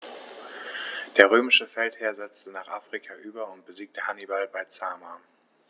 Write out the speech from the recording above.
Der römische Feldherr setzte nach Afrika über und besiegte Hannibal bei Zama.